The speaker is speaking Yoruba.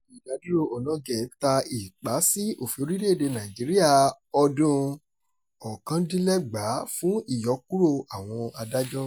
Ìdádúróo Onnoghen ta ìpá sí òfin Orílẹ̀-èdè Nàìjíríà ọdún-un 1999 fún ìyọkúrò àwọn adájọ́ .